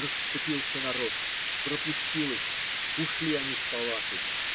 Расступился народ, пропустил их; ушли они в палаты.